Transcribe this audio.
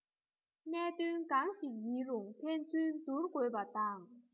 གནད དོན གང ཞིག ཡིན རུང ཕན ཚུན སྡུར དགོས པ དང